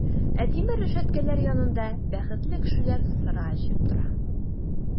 Ә тимер рәшәткәләр янында бәхетле кешеләр сыра эчеп тора!